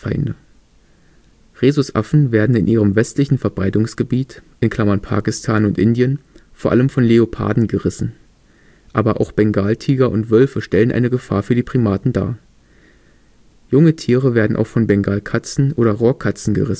Rhesusaffen werden in ihrem westlichen Verbreitungsgebiet (Pakistan, Indien) vor allem von Leoparden gerissen. Aber auch Bengaltiger und Wölfe stellen eine Gefahr für die Primaten dar. Junge Tiere werden auch von Bengalkatzen oder Rohrkatzen gerissen